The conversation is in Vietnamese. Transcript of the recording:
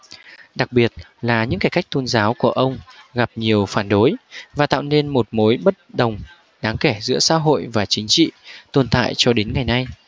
đặc biệt là những cải cách tôn giáo của ông gặp nhiều phản đối và tạo nên một mối bất đồng đáng kể giữa xã hội và chính trị tồn tại cho đến ngày nay